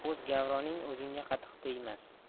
o'z gavroning o'zingga qattiq tegmas